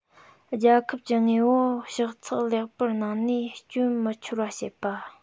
རྒྱལ ཁབ ཀྱི དངོས པོ ཕྱག ཚགས ལེགས པར གནང ནས སྐྱོན མི འཆོར བ བྱེད པ